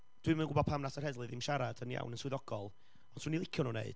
dwi'm yn gwybod pam wnaeth y heddlu ddim siarad yn iawn, yn swyddogol, ond 'swn i'n licio nhw wneud,